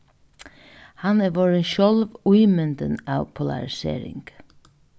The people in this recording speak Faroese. hann er vorðin sjálv ímyndin av polarisering